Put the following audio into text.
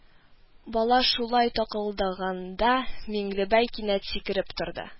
Бала шулай такылдаганда Миңлебай кинәт сикереп торды